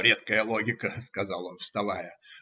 - Редкая логика, - сказал он, вставая.